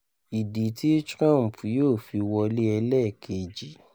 Idi ti Trump yoo fi wọle ẹlẹkeji